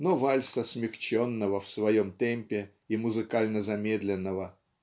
но вальса смягченного в своем темпе и музыкально-замедленного.